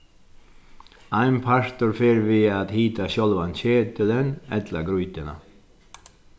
ein partur fer við at hita sjálvan ketilin ella grýtuna